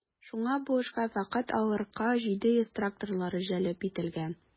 Шуңа бу эшкә фәкать авыр К-700 тракторлары җәлеп ителгән.